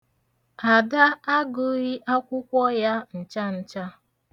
Ada agụghị akwụkwọ ya ncha cha.